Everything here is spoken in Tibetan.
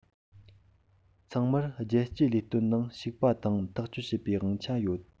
ཚང མར རྒྱལ སྤྱིའི ལས དོན ནང ཞུགས པ དང ཐག གཅོད བྱེད པའི དབང ཆ ཡོད